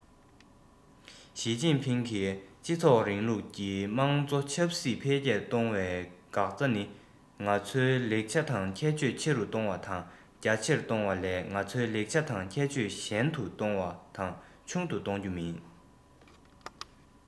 ཞིས ཅིན ཕིང གིས སྤྱི ཚོགས རིང ལུགས ཀྱི དམངས གཙོ ཆབ སྲིད འཕེལ རྒྱས གཏོང བའི འགག རྩ ནི ང ཚོའི ལེགས ཆ དང ཁྱད ཆོས ཆེ རུ གཏོང བ དང རྒྱ ཆེར གཏོང བ ལས ང ཚོའི ལེགས ཆ དང ཁྱད ཆོས ཞན དུ གཏོང བ དང ཆུང དུ གཏོང རྒྱུ དེ མིན